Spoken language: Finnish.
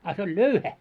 a se oli löyhä